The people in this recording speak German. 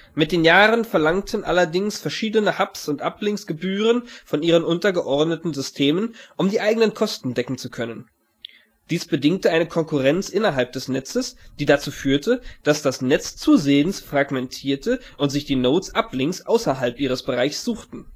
Mit den Jahren verlangten allerdings verschiedene Hubs und Uplinks Gebühren von ihren untergeordneten Systemen um die eigenen Kosten decken zu können. Dies bedingte eine Konkurrenz innerhalb des Netzes, die dazu führte, dass das Netz zusehends fragmentierte und sich die Nodes Uplinks außerhalb ihres Bereichs suchten